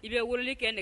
I bɛ wuli kɛ nɛgɛ